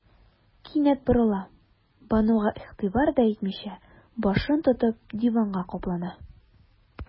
Кинәт борыла, Бануга игътибар да итмичә, башын тотып, диванга каплана.